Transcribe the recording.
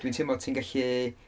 Dwi'n teimlo ti'n gallu...